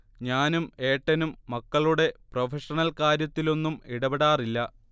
ഞാനും ഏട്ടനും മക്കളുടെ പ്രൊഫഷണൽ കാര്യത്തിലൊന്നും ഇടപെടാറില്ല